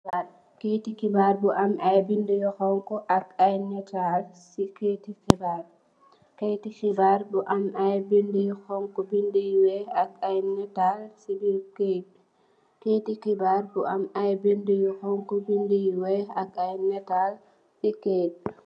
Kayiti xibarr yu am ay bindi yu xonxu binda yu wèèx ak ay nital si birr kayit gi.